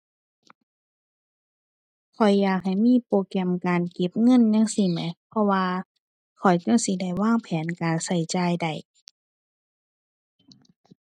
ข้อยอยากให้มีโปรแกรมการเก็บเงินจั่งซี้แหม เพราะว่าข้อยจั่งสิได้วางแผนการใช้จ่ายได้